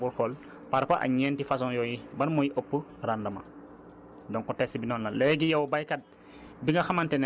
donc ñooñu dañuy dañ leen di tester pour xool par rapport ak ñenti façons yooyu ban mooy ëpp rendement donc test bi noonu la